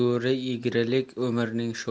egrilik umrning sho'ri